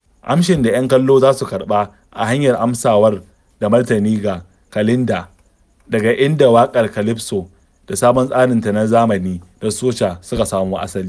Amshin da 'yan kallo za su karɓa, a hanyar amsawa da martani ga "calinda", daga inda waƙar "calypso" - da sabon tsarinta na zamani, na soca - suka samo asali.